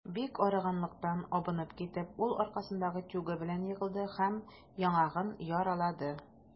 Бик арыганлыктан абынып китеп, ул аркасындагы тюгы белән егылды һәм яңагын яралады.